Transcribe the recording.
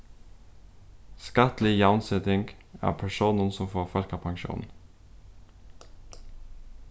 skattlig javnseting av persónum sum fáa fólkapensjón